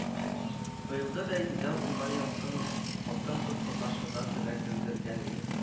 Быелгы бәйгедә унга якын хатын-кыз катнашырга теләк белдергән иде